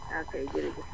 waaw kay jërëjëf